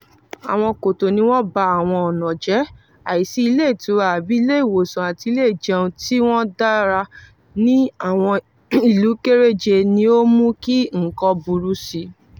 Àwọn kòtò ni wọ́n ba àwọn ọ̀nà jẹ́, àìsí ilé-ìtura àbí ilé-ìwọ̀sùn àti ilé-ìjẹun tí wọ́n dára ní àwọn ìlú kéréje ni ó mú kí nǹkan burú síi.